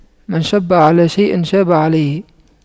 من شَبَّ على شيء شاب عليه